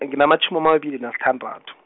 nginamatjhumi amabili nasithandathu.